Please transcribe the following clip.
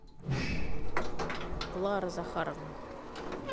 клара захаровна